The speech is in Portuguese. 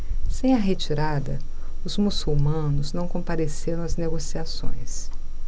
sem a retirada os muçulmanos não compareceram às negociações